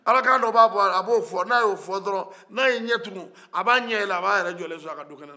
ala kan dɔ bɛ a bolo a bɛ o fɔ ni a ye fɔ dɔrɔ ni a ye a ɲɛtugu a bɛ a ɲɛyɛlɛ a bɛ a yɛrɛ jolen sorɔ a ka dukɛnɛna